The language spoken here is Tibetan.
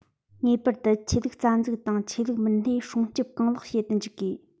ངེས པར དུ ཆོས ལུགས རྩ འཛུགས དང ཆོས ལུགས མི སྣས སྲུང སྐྱོབ གང ལེགས བྱེད དུ འཇུག དགོས